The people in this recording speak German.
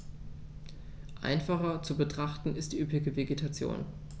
Einfacher zu betrachten ist die üppige Vegetation.